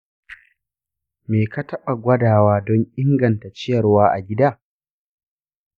me ka taɓa gwadawa don inganta ciyarwa a gida?